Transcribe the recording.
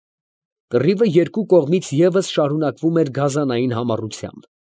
Կռիվը երկու կողմից ևս շարունակվում էր գազանային համառությամբ։